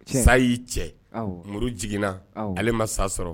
Sa y'i cɛ muru jiginna ale ma sɔrɔ